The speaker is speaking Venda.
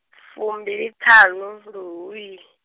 fumbiliṱhanu, luhuhi.